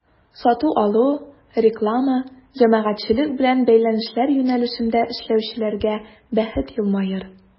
Сату-алу, реклама, җәмәгатьчелек белән бәйләнешләр юнәлешендә эшләүчеләргә бәхет елмаер.